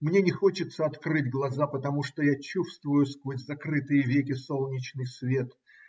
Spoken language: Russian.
Мне не хочется открыть глаза, потому что я чувствую сквозь закрытые веки солнечный свет